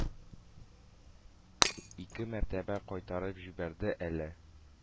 Ике мәртәбә кайтарып җибәрде әле.